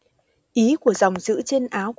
ý của dòng chữ trên áo